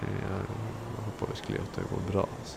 Jeg håper virkelig at det går bra, altså.